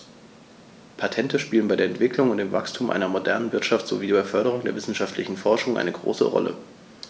Patente spielen bei der Entwicklung und dem Wachstum einer modernen Wirtschaft sowie bei der Förderung der wissenschaftlichen Forschung eine große Rolle.